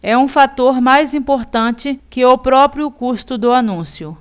é um fator mais importante que o próprio custo do anúncio